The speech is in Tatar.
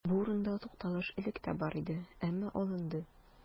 Бу урында тукталыш элек тә бар иде, әмма алынды.